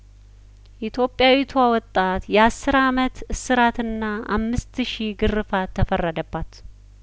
ኢትዮጵያዊቷ ወጣት የአስር አመት እስራትና አምስት ሺህ ግርፋት ተፈረደባት